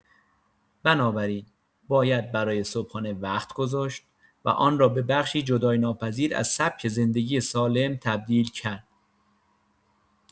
بنابراین باید برای صبحانه وقت گذاشت و آن را به بخشی جدایی‌ناپذیر از سبک زندگی سالم تبدیل کرد.